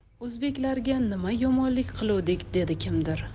o'zbeklarga nima yomonlik qiluvdik dedi kimdir